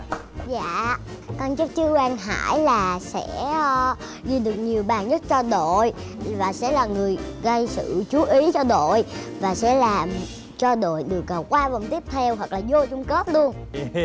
dạ con chúc chú quang hải là sẽ ghi được nhiều bàn nhất cho đội và sẻ là người gây sự chú ý cho đội và sẽ làm cho đội được qua vòng tiếp theo hoặc là vô chung kết luôn